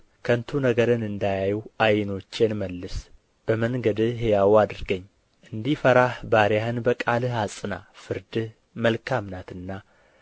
ከንቱ ነገርን እንዳያዩ ዓይኖቼን መልስ በመንገድህ ሕያው አድርገኝ እንዲፈራህ ባሪያህን በቃልህ አጽና ፍርድህ መልካም ናትና